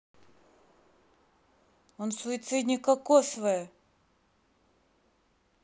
он суицидник кокосовое